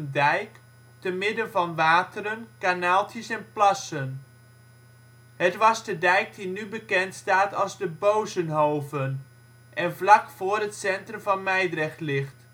dijk, tenmidden van wateren, kanaaltjes en plassen. Het was de dijk die nu bekend staat als Bozenhoven, en vlak voor het centrum van Mijdrecht ligt